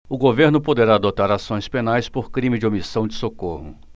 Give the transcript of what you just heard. o governo poderá adotar ações penais por crime de omissão de socorro